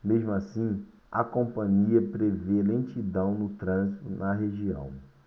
mesmo assim a companhia prevê lentidão no trânsito na região